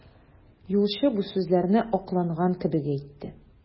Юлчы бу сүзләрне акланган кебек әйтте.